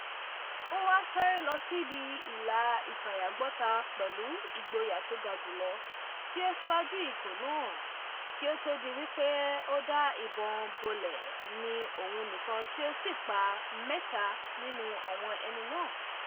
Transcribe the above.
Ó wà ṣáré lọ sí ibi ìlà ìfàyàgbọta pẹ̀lú “Ìgbòyà tó ga jùlọ” tí ó sì siwájú ikọ̀ náà kí ó tó di wípé ó da ìbọn bolẹ̀ ní òun nìkan tí ó sì pà mẹ́tà nínú àwọn èni náà.